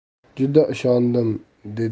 juda ishondim dedi